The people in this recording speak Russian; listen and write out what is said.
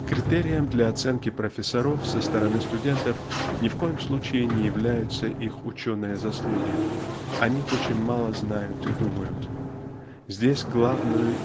Критерием для оценки профессоров со стороны студентов ни в коем случае не являются их ученые заслуги о них очень мало знают и думают. Здесь главную